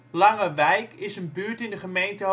Lange Wijk is een buurt in de gemeente